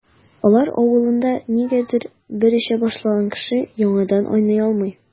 Алар авылында, нигәдер, бер эчә башлаган кеше яңадан айный алмый.